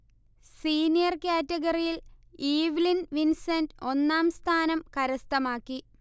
senior കാറ്റഗറിയിൽ Evelyn Vincent ഒന്നാം സ്ഥാനം കരസ്ഥമാക്കി